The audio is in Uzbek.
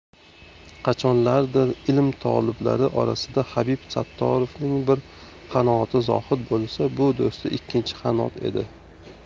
qachonlardir ilm toliblari orasida habib sattorovning bir qanoti zohid bo'lsa bu do'sti ikkinchi qanot edi